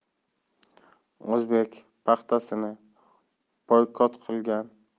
o'zbek paxtasini boykot qilgan